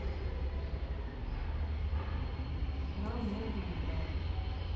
нам нужно играть